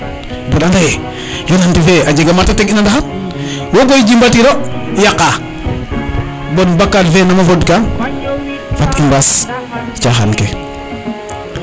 bonn ande ye yonent fe a jeg a mate teg ina ndaxar wokoy jima tiro yaqa bon bakad fe nama fod ka fat i mbaas caxan kke